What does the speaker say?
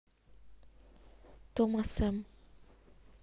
том о сем